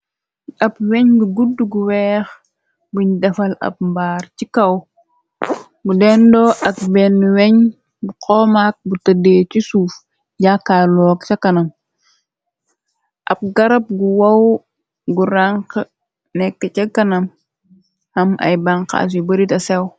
ab weñ gi gudd gu weex buñ defal ab mbaar ci kaw mu dendoo ak benn weñ bu xoomaak bu tëddee ci suuf jaakaaloog ca kanam ab garab gu wow gu ranx nekk ca kanam am ay banxaas yu barita sew